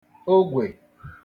ogwè